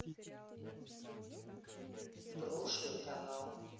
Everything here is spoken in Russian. прошлый канал